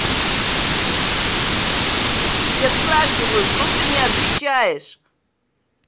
я спрашиваю что то не отвечаешь